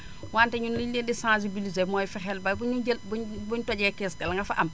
wante ñun li ñu leen di sensibiliser mooy fexeel ba bu ñuy jël bu ñu tojee kees bi la nga fa am